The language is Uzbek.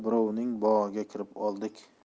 birovning bog'iga kirib oldik